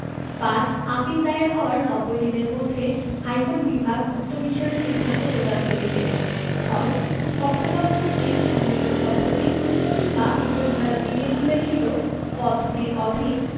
৫ appeal দায়ের হওয়ার নব্বই দিনের মধ্যে হাইকোর্ট বিভাগ উক্ত বিষয়ে সিদ্ধান্ত প্রদান করিবে ৬ পক্ষগণ কর্তৃক সম্মত পদ্ধতি কিংবা উপ ধারা ৩ এ উল্লেখিত পদ্ধতির অধীন